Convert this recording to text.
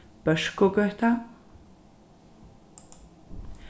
børkugøta